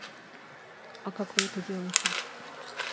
и как вы это делаете